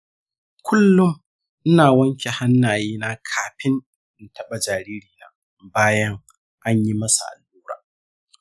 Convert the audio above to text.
kullum ina wanke hannaye na kafin in taɓa jaririna bayan an yi masa allura.